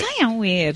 Da iawn wir!